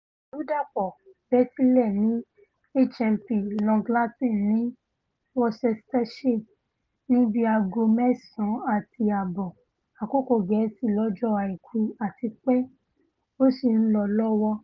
Ìdàrúdàpọ̀ bẹ́ sílẹ̀ ní HMP Long Lartin ní Worcestershire ní bíi aago mẹ́ẹ̀sán àti ààbọ̀ Àkókò Gẹ̀ẹ́sì lọ́jọ́ Àìkú àtipé ó sì ńlọ lọ́wọ́.